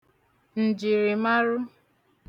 ǹjìrìmaru